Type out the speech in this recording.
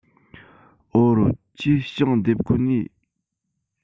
ཨོ རོ ཁྱོས ཞིང འདེབས གོ ནིས